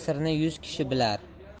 sirni yuz kishi bilar